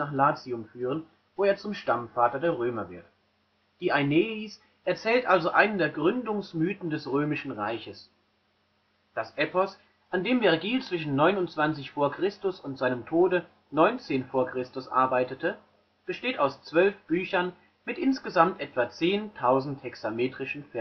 Latium führen, wo er zum Stammvater der Römer wird. Die Aeneis erzählt also einen der Gründungsmythen des Römischen Reiches. Das Epos, an dem Vergil zwischen 29 v. Chr. und seinem Tod 19 v. Chr. arbeitete, besteht aus zwölf Büchern mit insgesamt etwa 10.000 hexametrischen Versen